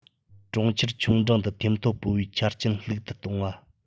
གྲོང ཁྱེར ཆུང འབྲིང དུ ཐེམ ཐོ སྤོ བའི ཆ རྐྱེན ལྷུག ཏུ གཏོང བ